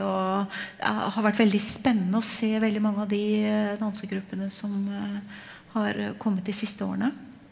og det har vært veldig spennende å se veldig mange av de dansegruppene som har kommet de siste årene.